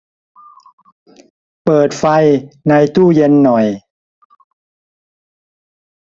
เปิดไฟในตู้เย็นหน่อย